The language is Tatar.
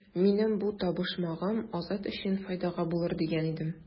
Минем бу табышмагым Азат өчен файдага булыр дигән идем.